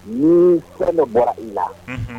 N fɛn ne bɔra i la